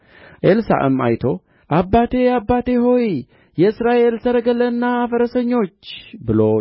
ነገር ግን ከአንተ ዘንድ በተወሰድሁ ጊዜ ብታየኝ ይሆንልሃል አለዚያ ግን አይሆንልህም አለ ሲሄዱም እያዘገሙም ሲጫወቱ እነሆ የእሳት ሰረገላና የእሳት ፈረሶች በመካከላቸው ገብተው